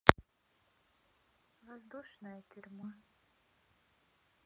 воздушная тюрьма